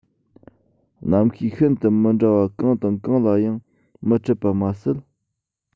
གནམ གཤིས ཤིན ཏུ མི འདྲ བ གང དང གང ལ ཡང མི འཕྲད པ མ ཟད